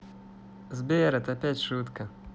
сбер это опять шутка